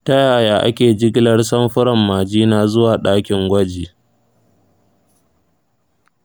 ta yaya ake jigilar samfuran majina zuwa ɗakin gwaji?